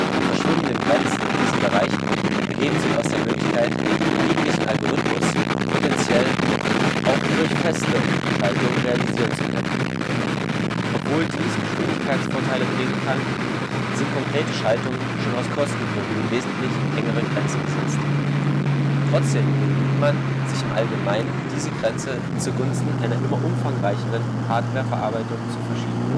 Die verschwimmenden Grenzen in diesem Bereich ergeben sich aus der Möglichkeit, jeglichen Algorithmus potentiell auch durch feste Schaltungen realisieren zu können. Obwohl dies Geschwindigkeitsvorteile bringen kann, sind konkreten Schaltungen schon aus Kostengründen wesentlich engere Grenzen gesetzt. Trotzdem bemüht man sich im Allgemeinen, diese Grenze zu Gunsten einer immer umfangreicheren Hardware-Verarbeitung zu verschieben